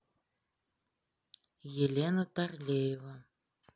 елена тарлеева